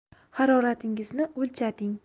haroratingizni o'lchating